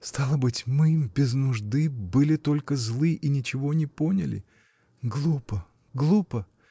Стало быть, мы, без нужды, были только злы и ничего не поняли. Глупо! глупо!